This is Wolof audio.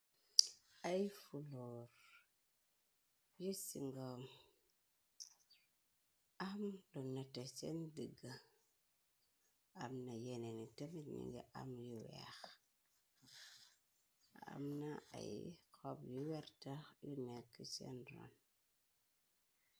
Ay fuloor yësingom am lu nate seen dëgga amna yenee ni temit ñi nga am yu weex amna ay xob yu wertax yu nekk seen ron.